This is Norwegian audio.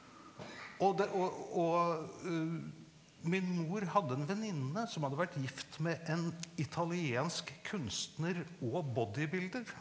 og det og og min mor hadde en venninne som hadde vært gift med en italiensk kunstner og bodybuilder.